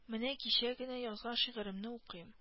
Менә кичә генә язган шигыремне укыйм